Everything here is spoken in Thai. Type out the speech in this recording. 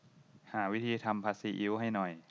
หาวิธีทำผัดซีอิ๊วให้หน่อย